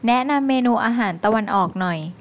แนะนำเมนูอาหารตะวันออกหน่อย